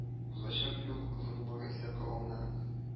Узачак юл озынлыгы исәпкә алына